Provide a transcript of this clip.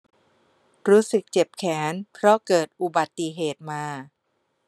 รู้สึกเจ็บแขนเพราะเกิดอุบัติเหตุมา